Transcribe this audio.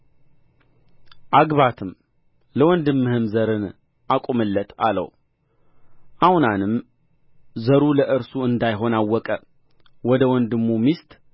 አግባትም ለወንድምህም ዘርን አቁምለት አለው አውናንም ዘሩ ለእርሱ እንዳይሆን አወቀ ወደ ወንድሙ ሚስት